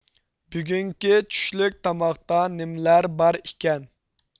بۈگۈنكى چۈشلۈك تاماقتا نېمىلەر بارئىكەن